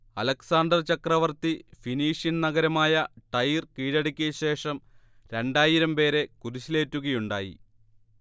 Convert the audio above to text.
Alexander ചക്രവർത്തി Phoenician നഗരമായ Tyre കീഴടക്കിയശേഷം രണ്ടായിരം പേരെ കുരിശിലേറ്റുകയുണ്ടായി